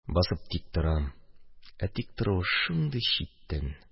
Басып тик торам, ә тик торуы шундый читен.